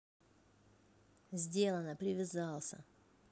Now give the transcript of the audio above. сделано привязался